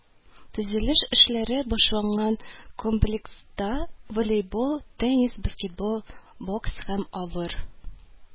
Төзелеш эшләре башланган комплекста волейбол, теннис, баскетбол, бокс һәм авыр